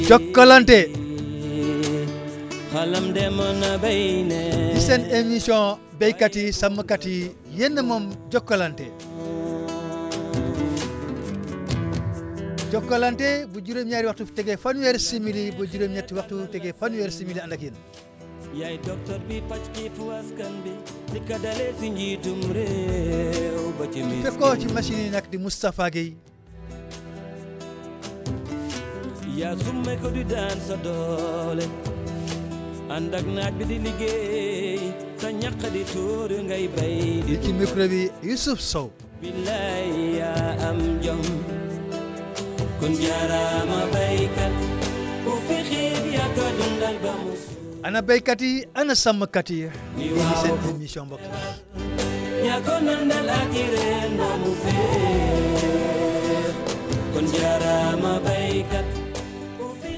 Jokalante ci seen émission baykat yi sàmmkat yi yéen a moom jokkalant jokkalante di bi juróom-ñaari waxtu tegee fanweeri simili ba juróom-ñetti waxtu tegee fanweeri simili ànd ak yéen ki feggoo ci machines yi nag di Moustapha Gueye ci micro bi Youssouphe Sow ana baykat yi ana sàmmkat yi muy seen émission mbokk yi